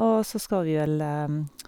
Og så skal vi vel